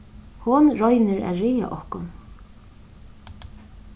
hon roynir at ræða okkum